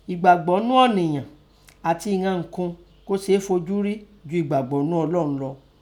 Ẹ̀gbàgbó ńnu ọ̀niyan ati ìghan unńkun kọ́ sèè foju ri ju ẹ̀gbàgbọ́ ńnu Ọlọun lọ.